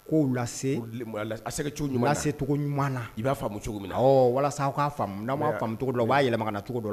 Ko lase, a bɛ se ka kɛ cogo ɲuman , lase cogo ɲuman na, i b'a faamu cogo mina, awɔ, walasa aw ka faamu , n'aw ma faamu cogo dɔ la o b'a yɛlɛma ka na cogo dɔ la.